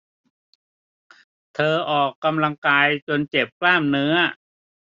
เธอออกกำลังกายจนเจ็บกล้ามเนื้อ